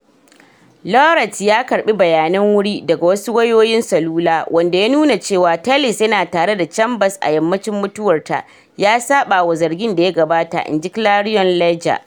Rowlett ya ce ya karbi bayanan wuri daga wasu wayoyin salula wanda ya nuna cewa Tellis yana tare da Chambers a yammacin mutuwar ta, ya saba wa zargin da ya gabata, in ji Clarion Ledger.